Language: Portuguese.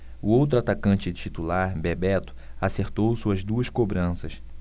o outro atacante titular bebeto acertou suas duas cobranças